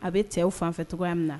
A bɛ cɛw fanfɛ tɔgɔya minɛ na